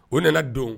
O nana don